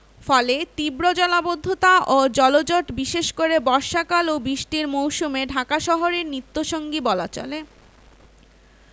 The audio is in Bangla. ফলে তীব্র জলাবদ্ধতা ও জলজট বিশেষ করে বর্ষাকাল ও বৃষ্টির মৌসুমে ঢাকা শহরের নিত্যসঙ্গী বলা চলে